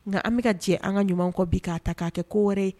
Nka an bɛka ka jɛ an ka ɲuman kɔ bi k'a ta k'a kɛ ko wɛrɛ ye